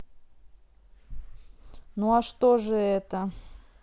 ну а что же это